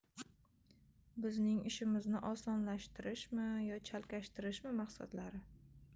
bizning ishimizni osonlashtirishmi yo chalkashtirishmi maqsadlari